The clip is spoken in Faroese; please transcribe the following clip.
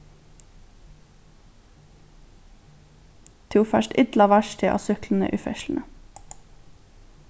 tú fært illa vart teg á súkklu í ferðsluni